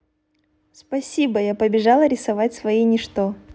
спасибо я побежала рисовать свои ничто